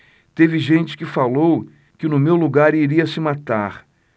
teve gente que falou que no meu lugar iria se matar